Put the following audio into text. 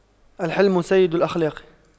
الحِلْمُ سيد الأخلاق